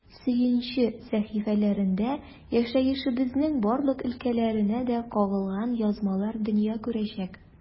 “сөенче” сәхифәләрендә яшәешебезнең барлык өлкәләренә дә кагылган язмалар дөнья күрәчәк.